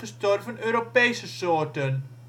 soorten